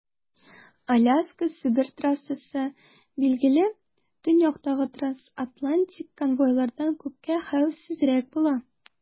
Аляска - Себер трассасы, билгеле, төньяктагы трансатлантик конвойлардан күпкә хәвефсезрәк була.